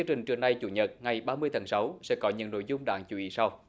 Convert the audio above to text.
trình trưa nay chủ nhật ngày ba mươi tháng sáu sẽ có những nội dung đáng chú ý sau